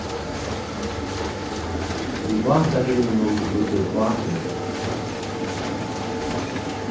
í bátahylinum liggur báturin